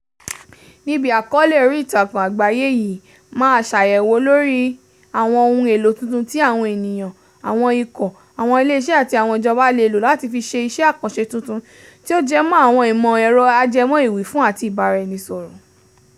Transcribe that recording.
Níbi àkọ́ọ́lẹ̀ orí ìtàkùn àgbáyé yìí, máa ṣàyẹ̀wò lórí àwọn ohun èlò tuntun tí àwọn ènìyàn, àwọn ikọ̀, àwọn ilé iṣẹ́ àti àwọn ìjọba le lò láti fi ṣe iṣẹ́ àkànṣe tuntun tí ó jẹmọ́ àwọn ìmọ̀ ẹ̀rọ ajẹmọ́ ìwífún àti ìbáraẹnisọ̀rọ̀.